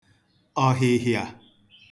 ọ̀hị̀hịà